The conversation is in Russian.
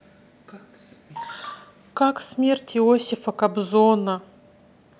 как смерть иосифа кобзона